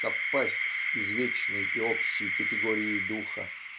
совпасть с извечной и общей категорией духа